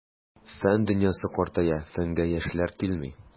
Фән дөньясы картая, фәнгә яшьләр килми.